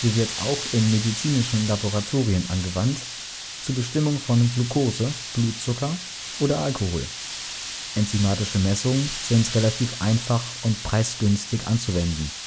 wird auch in medizinischen Laboratorien angewandt, zur Bestimmung von Glucose (Blutzucker) oder Alkohol. Enzymatische Messungen sind relativ einfach und preisgünstig anzuwenden